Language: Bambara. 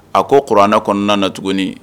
A ko kuran kɔnɔna na tuguni